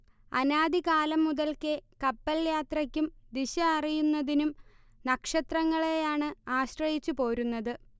അനാദി കാലം മുതൽക്കേ കപ്പൽ യാത്രയ്ക്കും ദിശ അറിയുന്നതിനും നക്ഷത്രങ്ങളെയാണ് ആശ്രയിച്ചുപോരുന്നത്